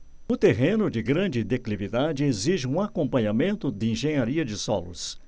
o terreno de grande declividade exige um acompanhamento de engenharia de solos